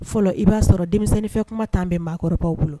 Fɔlɔ i b'a sɔrɔ denmisɛnninfɛ kuma tan bɛn maakɔrɔbabaw bolo